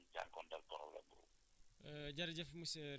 population yi dañ si jànkuwanteel problème